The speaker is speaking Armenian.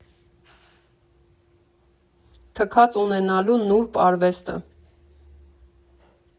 ԹՔԱԾ ՈՒՆԵՆԱԼՈՒ ՆՈՒՐԲ ԱՐՎԵՍՏԸ։